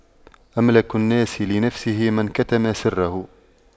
أملك الناس لنفسه من كتم سره